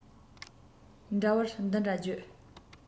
འདྲ བར འདི འདྲ བརྗོད